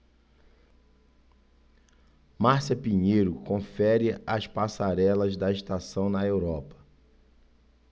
márcia pinheiro confere as passarelas da estação na europa